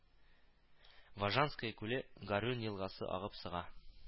Вожанское күле Горюн елгасы агып сыга